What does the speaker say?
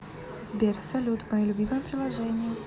сбер салют мое любимое приложение